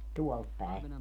tuolta päin